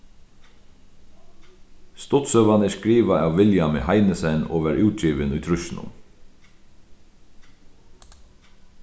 stuttsøgan er skrivað av williami heinesen og varð útgivin í trýssunum